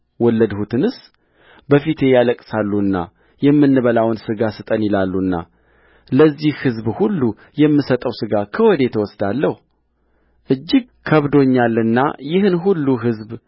ወለድሁትንስ በፊቴ ያለቅሳሉና የምንበላውን ሥጋ ስጠን ይላሉና ለዚህ ሕዝብ ሁሉ የምሰጠው ሥጋ ከወዴት እወስዳለሁ እጅግ ከብዶኛልና ይህን ሁሉ ሕዝብ